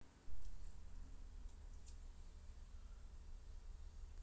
кто такой барак обама